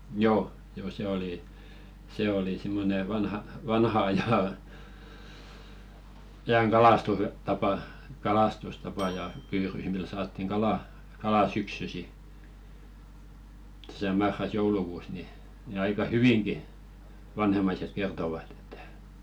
joo joo se oli se oli semmoinen - vanhan ajan ajan kalastustapa kalastustapa ja pyydys millä saatiin kalaa kalaa syksyisin tässä marras joulukuussa niin niin aika hyvinkin vanhemmaiset kertoivat että